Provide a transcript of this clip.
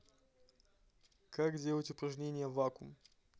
как делать упражнение вакуум